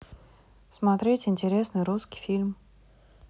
смотреть интересный русский фильм